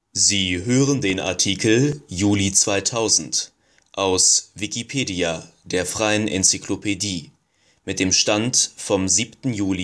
Sie hören den Artikel Juli 2000, aus Wikipedia, der freien Enzyklopädie. Mit dem Stand vom Der